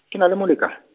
ke na le molekane.